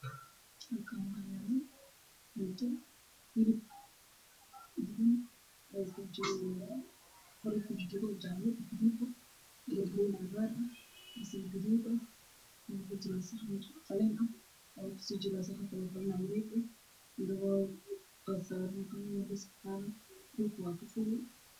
Meeshaan waxaa yaalo ku karka kaleerkiisa waa kufee waxaa dul saaran saxan qalin ah oo ku jiraan khudaar maxaa ka mid ah basal bambanooni kaarooto iyo qudaar badan